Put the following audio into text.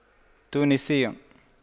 تونسية